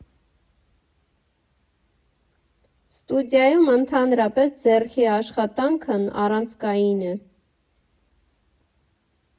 Ստուդիայում ընդհանրապես ձեռքի աշխատանքն առանցքային է.